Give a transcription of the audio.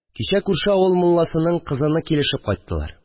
Кичә күрше авыл мулласының кызыны килешеп кайттылар